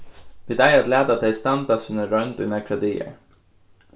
vit eiga at lata tey standa sína roynd í nakrar dagar